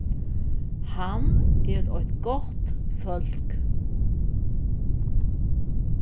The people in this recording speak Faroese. hann er eitt gott fólk